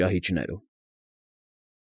Ճահիճներում։